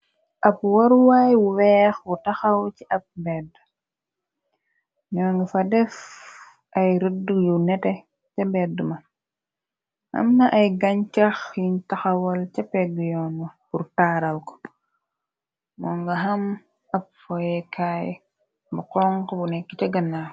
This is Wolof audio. Ab waruwaay bu weex bu taxaw ci ab bedd ñoo nga fa def ay rëdd yu nete ca beddma amna ay gañ cax yiñ taxawal ca pegg yoon bur taaral ko moo nga am ab foyekaay bu xong bu nekk te gannaaw.